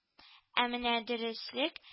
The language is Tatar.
Ә менә дөреслек